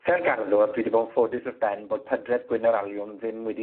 Fel garddwr, dwi 'di bo' yn ffodus dros ben bod pydredd gwyn yr aliwm ddim wedi